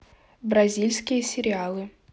бразильские сериалы